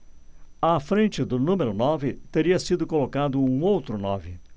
à frente do número nove teria sido colocado um outro nove